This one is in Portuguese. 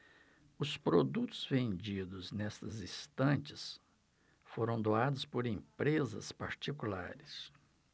os produtos vendidos nestas estantes foram doados por empresas particulares